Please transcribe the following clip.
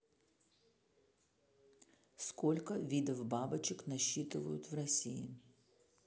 сколько видов бабочек насчитывают в россии